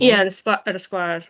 Ie, yn y sgwa- yn y sgwâr.